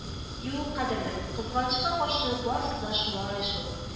—юк, кадерлем, кызганычка каршы, барысы да шулай шул